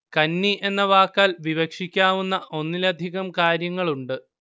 കന്നി എന്ന വാക്കാല്‍ വിവക്ഷിക്കാവുന്ന ഒന്നിലധികം കാര്യങ്ങളുണ്ട്